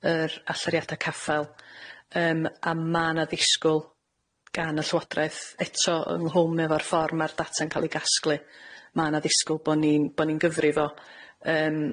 yr allyriada caffael, yym, a ma' na ddisgwl gan y llywodraeth, eto ynghlwm efo'r ffor' ma'r data'n ca'l ei gasglu, ma' na ddisgwl bo' ni'n bo' ni'n gyfri fo. Yym.